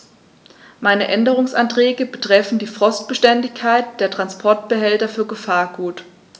Meine Änderungsanträge betreffen die Frostbeständigkeit der Transportbehälter für Gefahrgut.